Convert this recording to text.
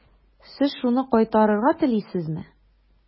Сез шуны кайтарырга телисезме?